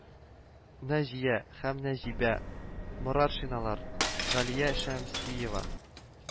Наҗия һәм Нәҗибә Моратшиналар, Галия Шәмсиева